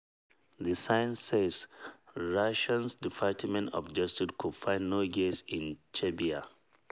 the sign says: RUSSIA’S DEPARTMENT OF JUSTICE COULD FIND NO GAYS IN CHECHYA.